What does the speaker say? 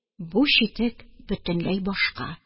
Бу читек бөтенләй башка